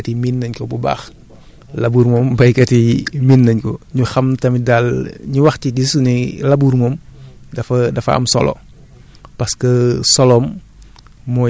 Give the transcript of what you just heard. waaw xam naa li ñu naan labour moom peut être baykat yi miin nañu ko bu baax labour moom baykat yi miin nañu ko ñu xam tamit daal ñu wax ci suñuy labour moom